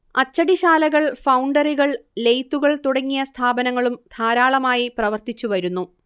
അച്ചടിശാലകൾ ഫൗണ്ടറികൾ ലെയ്ത്തുകൾ തുടങ്ങിയ സ്ഥാപനങ്ങളും ധാരാളമായി പ്രവർത്തിച്ചു വരുന്നു